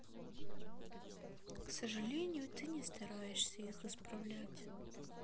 к сожалению ты не стараешься их исправлять